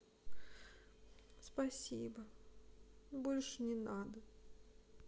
спасибо больше не надо